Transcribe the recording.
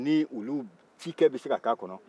a ye olu minɛ